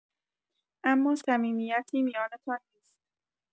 اما صمیمیتی میانتان نیست.